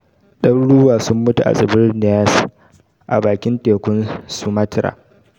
Daruruwa sun mutu a tsibirin Nias, a bakin tekun Sumatra.